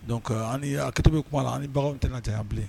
Donc ketobe kuma la ani ni bagan tɛna caya bilen